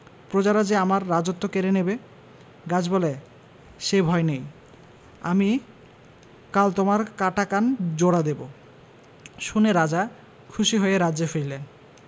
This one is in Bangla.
প্রজারা যে আমার রাজত্ব কেড়ে নেবে গাছ বলে সে ভয় নেই আমি কাল তোমার কাটা কান জোড়া দেব শুনে রাজা খুশি হয়ে রাজ্যে ফিরলেন